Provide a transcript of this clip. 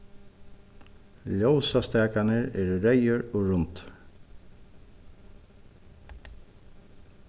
ljósastakarnir eru reyðir og rundir